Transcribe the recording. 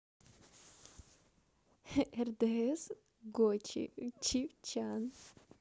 рдс гочи чивчян